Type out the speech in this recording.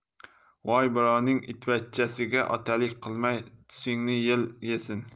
voy birovning itvachchasiga otalik qilmay tusingni yel yesin